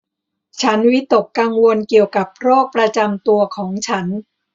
ฉันวิตกกังวลเกี่ยวกับโรคประจำตัวของฉัน